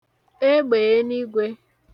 egbèenigwē